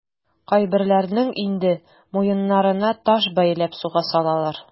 Кайберләренең инде муеннарына таш бәйләп суга салалар.